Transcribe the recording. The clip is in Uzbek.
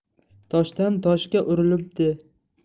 toshdan toshga urilibdi